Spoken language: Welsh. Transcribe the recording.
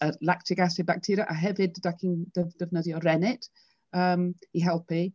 Yr lactic acid bacteria, a hefyd dach chi'n def- defnyddio rennet yym i helpu.